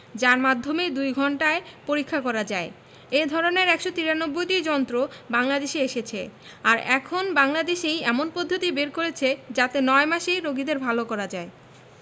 যার মাধ্যমেই দুই ঘণ্টায় পরীক্ষা করা যায় এ ধরনের ১৯৩টি যন্ত্র বাংলাদেশে এসেছে আর এখন বাংলাদেশই এমন পদ্ধতি বের করেছে যাতে ৯ মাসেই রোগীদের ভালো করা যায়